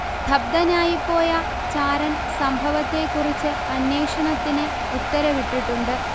സ്തബ്ധനായിപ്പോയ ചാരൻ സംഭവത്തെക്കുറിച്ച് അന്വേഷണത്തിന് ഉത്തരവിട്ടുണ്ട്